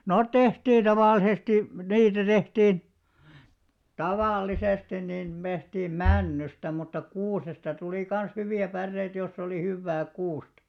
ne tehtiin tavallisesti niitä tehtiin tavallisesti niin tehtiin -- männystä mutta kuusesta tuli kanssa hyviä päreitä jos oli hyvää kuusta